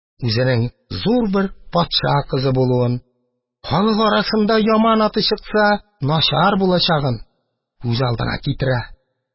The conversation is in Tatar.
Үзенең зур бер патша кызы булуын, халык арасында яманаты чыкса, начар булачагын күз алдына китерә.